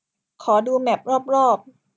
ขอดูแมพรอบรอบ